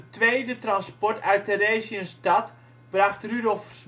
tweede transport uit Theresienstadt bracht Rudolf